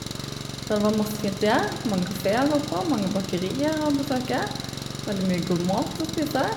Der det var masse fint å gjøre, mange kafeer å gå på, mange bakerier å besøke, veldig mye god mat å spise.